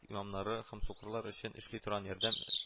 Имамнары һәм сукырлар өчен эшли торган “ярдәм”